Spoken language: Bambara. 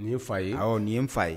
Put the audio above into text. Nin ye fa ye, awɔ nin ye n fa ye.